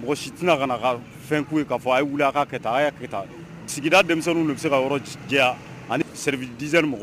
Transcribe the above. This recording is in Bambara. Mɔgɔ si tɛna ka na ka fɛn fɔ , a ye wuli a k'a kɛ tan, a y'a kɛ tan, sigida denmisɛnnin de bɛ se ka yɔrɔ jɛ, ani service d'hygiène